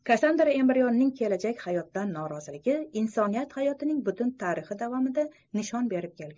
kassandra embrionning kelajak hayotdan noroziligi insoniyat hayotining butun tarixi davomida nishon berib kelgan